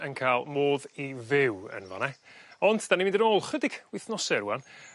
...yn ca'l modd i fyw yn fan 'na. Ond 'dan ni'n mynd yn ôl chydig wythnose rŵan